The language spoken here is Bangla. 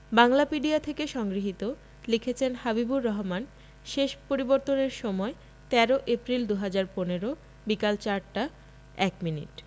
বাংলাপিডিয়া থেকে সংগৃহীত লিখেছেন হাবিবুর রহমান শেষ পরিবর্তনের সময়ঃ১৩ এপ্রিল ২০১৫ বিকেল ৪টা ১ মিনিট